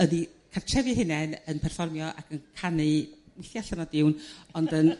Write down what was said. yn 'u cartrefi 'u hunen yn perfformio ac yn canu w'ithia' allan o diwn ond yn